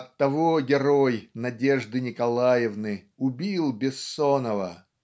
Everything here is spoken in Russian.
Оттого герой "Надежды Николаевны" убил Безсонова